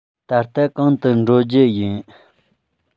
ད ལྟ གང དུ འགྲོ རྒྱུ ཡིན